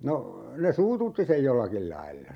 no ne suututti sen jollakin lailla